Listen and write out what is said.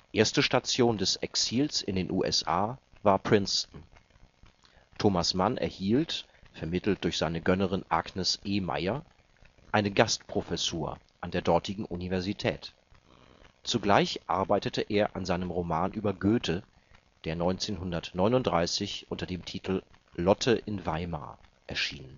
Erste Station des Exils in den USA war Princeton. Thomas Mann erhielt, vermittelt durch seine Gönnerin Agnes E. Meyer, eine Gastprofessur an der dortigen Universität. Zugleich arbeitete er an seinem Roman über Goethe, der 1939 unter dem Titel Lotte in Weimar erschien